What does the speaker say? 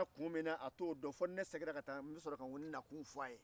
ne nana kun min na a t'o dɔn fo ni ne seginna ka taa nakun fɔ a ye